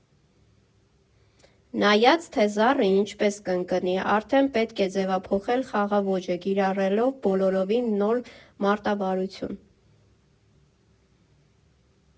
Նայած, թե զառը ինչպես կընկնի, արդեն պետք է ձևափոխել խաղաոճը՝ կիրառելով բոլորովին նոր մարտավարություն։